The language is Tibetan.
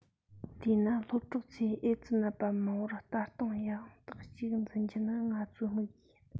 དེས ན སློབ གྲོགས ཚོས ཨེ ཙི ནད པ མང པོར ལྟ སྟངས ཡང དག ཅིག འཛིན རྒྱུ ནི ང ཚོའི དམིགས ཡུལ ཡིན